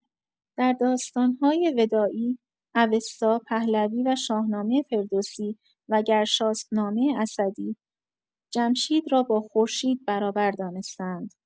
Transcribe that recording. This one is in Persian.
در داستان‌های ودائی، اوستا، پهلوی و شاهنامه فردوسی و گرشاسب نامه اسدی، جمشید را با خورشید برابر دانسته‌اند.